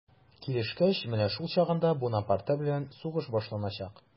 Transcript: Килешкәч, менә шул чагында Бунапарте белән сугыш башланачак.